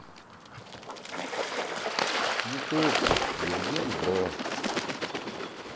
ютуб евген бро